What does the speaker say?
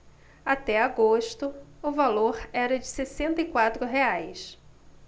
até agosto o valor era de sessenta e quatro reais